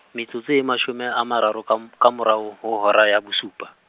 metsotso e mashome a mararo, ka m- ka morao ho hora ya bosupa.